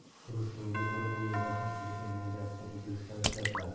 surishtiruvga ko'ra bu yerda ham elektr energiyasida uzilishlar kuzatiladi